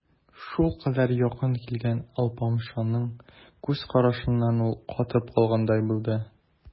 Шулкадәр якын килгән алпамшаның күз карашыннан ул катып калгандай булды.